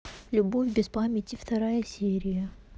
любовь без памяти вторая серия